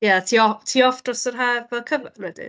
Ie, ti o- ti off dros y haf fel cover wedyn?